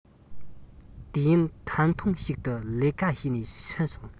དུས ཡུན ཐང ཐུང ཞིག ཏུ ལས ཀ བྱས ནས ཕྱིན སོང